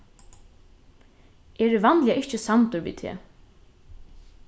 eg eri vanliga ikki samdur við teg